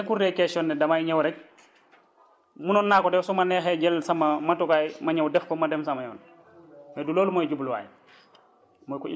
parce que nekkul ne question damay ñëw rek munoon naa ko def su ma neexee jël sama matukaay ma ñëw def ko ma dem sama yoon mais du loolu mooy jubluwaay bi